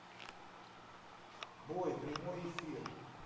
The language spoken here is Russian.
бой прямой эфир